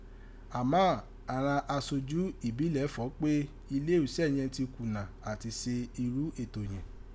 Àmá àghan aṣojú ìbílẹ̀ fọ ó pé iléuṣẹ́ yẹ̀n ti kùnà áti se irú ẹ̀tọ́ yẹ̀n